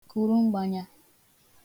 kùrum̀gbanya